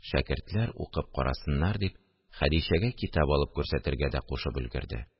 Шәкертләр укып карасыннар, – дип, Хәдичәгә китап алып күрсәтергә дә кушып өлгерде